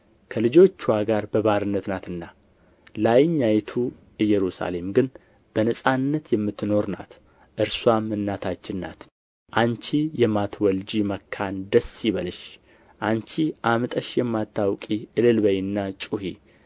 ከልጆችዋ ጋር በባርነት ናትና ላይኛይቱ ኢየሩሳሌም ግን በነጻነት የምትኖር ናት እርስዋም እናታችን ናት አንቺ የማትወልጅ መካን ደስ ይበልሽ አንቺ አምጠሽ የማታውቂ እልል በዪና ጩኺ